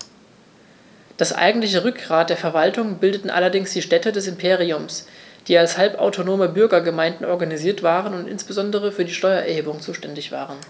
Das eigentliche Rückgrat der Verwaltung bildeten allerdings die Städte des Imperiums, die als halbautonome Bürgergemeinden organisiert waren und insbesondere für die Steuererhebung zuständig waren.